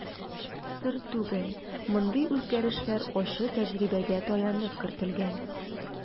Сер түгел, мондый үзгәрешләр ачы тәҗрибәгә таянып кертелгән.